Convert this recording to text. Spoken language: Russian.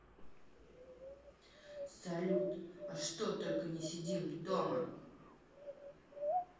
салют а что только не сидим дома